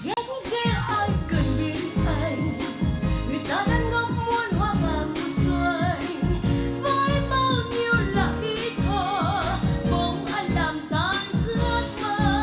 ghét ghê ai cần biết anh người ta đang ngắm muôn hoa vào mùa xuân với bao nhiêu là ý thơ bỗng anh làm tan ước mơ